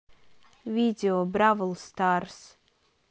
видео бравл старс